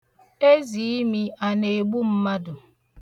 Eziimi ana-egbu mmadụ?